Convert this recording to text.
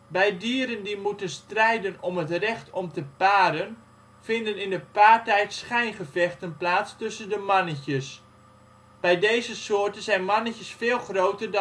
Bij dieren die moeten strijden om het recht om te paren vinden in de paartijd (schijn) gevechten plaats tussen de mannetjes. Bij deze soorten zijn mannetjes veel groter